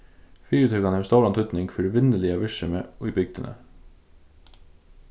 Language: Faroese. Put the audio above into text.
fyritøkan hevur stóran týdning fyri vinnuliga virksemið í bygdini